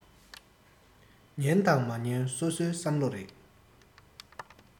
ཉན དང མ ཉན སོ སོའི བསམ བློ རེད